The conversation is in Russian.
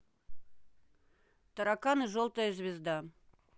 тараканы желтая звезда